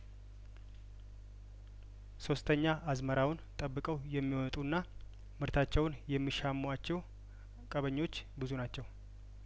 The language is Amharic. ሶስተኛ አዝመራውን ጠብቀው የሚወጡና ምርታቸውን የሚሻሙአቸው ቀበኞች ብዙ ናቸው